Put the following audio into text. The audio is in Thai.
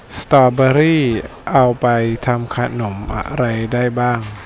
เนื้อหมูใช้ประกอบอาหารอะไรได้บ้าง